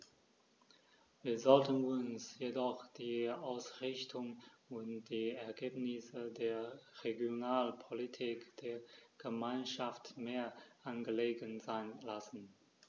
Wir sollten uns jedoch die Ausrichtung und die Ergebnisse der Regionalpolitik der Gemeinschaft mehr angelegen sein lassen.